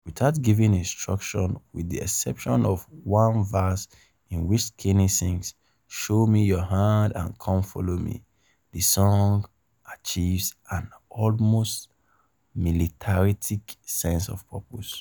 Without giving instructions (with the exception of one verse in which Skinny sings "show me yuh hand" and "come follow me"), the song achieves an almost militaristic sense of purpose.